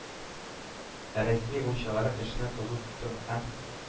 Ә Россия уенчылары эшне кызу тотты һәм